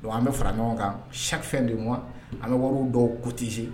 Don an bɛ fara ɲɔgɔn kan sa fɛn de wa an ka wari dɔw kutese